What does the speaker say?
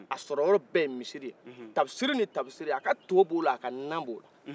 a sɔrɔ yɔrɔ bɛɛ ye misisr tafisiri tafsirir a ka to b'ola a ka nan b'ola